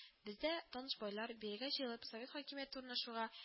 Бездә таныш байлар, бирегә җыелып, совет хакимияте урнашуга